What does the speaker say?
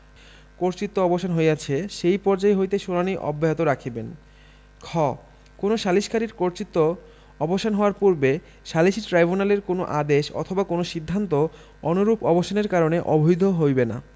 কর্তৃক্ব অবসান হইয়াছে সেই পর্যায় হইতে শুনানী অব্যাহত রাখিবেন খ কোন সালিসকারীর কর্তৃত্ব অবসান হওয়ার পূর্বে সালিসী ট্রাইব্যুনালের কোন আদেশ অথবা কোন সিদ্ধান্ত অনুরূপ অবসানের কারণে অবৈধ হইবে না